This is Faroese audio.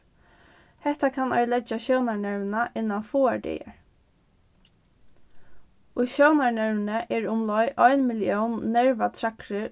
hetta kann oyðileggja sjónarnervina innan fáar dagar í sjónarnervini eru umleið ein millión nervatræðrir